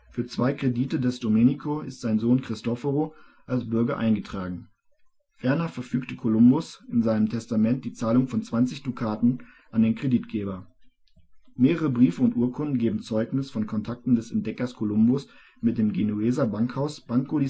zwei Kredite des Domenico ist sein Sohn Cristoforo als Bürge eingetragen, ferner verfügte Kolumbus in seinem Testament die Zahlung von 20 Dukaten an den Kreditgeber. Mehrere Briefe und Urkunden geben Zeugnis von Kontakten des Entdeckers Kolumbus mit dem Genueser Bankhaus Banco